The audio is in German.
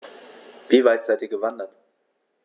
Wie weit seid Ihr gewandert?